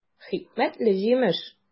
Хикмәтле җимеш!